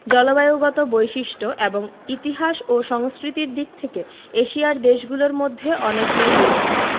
জলবায়ুগত বৈশিষ্ট্য এবং ইতিহাস ও সংস্কৃতির দিক থেকে এশিয়ার দেশগুলোর মধ্যে অনেক মিল রয়েছে